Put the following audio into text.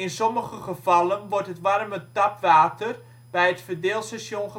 sommige gevallen wordt het warme tapwater bij het verdeelstation